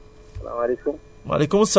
salaamaaleykum